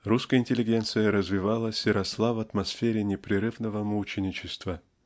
русская интеллигенция развивалась и росла в атмосфере непрерывного мученичества